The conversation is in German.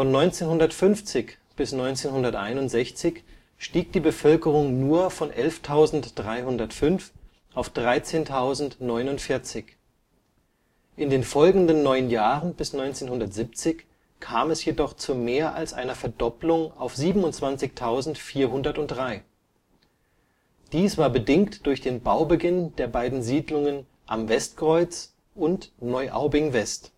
1950 bis 1961 stieg die Bevölkerung nur von 11.305 auf 13.049. In den folgenden neun Jahren bis 1970 kam es jedoch zu mehr als einer Verdopplung auf 27.403. Dies war bedingt durch den Baubeginn der beiden Siedlungen Am Westkreuz und Neuaubing-West